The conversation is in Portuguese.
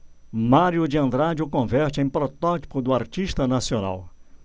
mário de andrade o converte em protótipo do artista nacional